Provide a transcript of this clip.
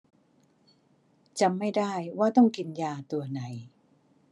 จำไม่ได้ว่าต้องกินยาตัวไหน